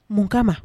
Mun kama ?